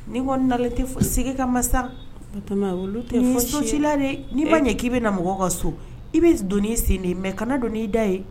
N'i ko na tɛ ka masa cila n'i ba ɲɛ k'i bɛ na mɔgɔ ka so i bɛ don sen de mɛ kana don'i da ye